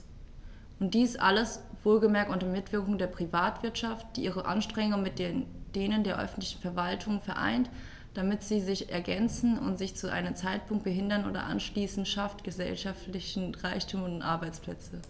Und dies alles - wohlgemerkt unter Mitwirkung der Privatwirtschaft, die ihre Anstrengungen mit denen der öffentlichen Verwaltungen vereint, damit sie sich ergänzen und sich zu keinem Zeitpunkt behindern oder ausschließen schafft gesellschaftlichen Reichtum und Arbeitsplätze.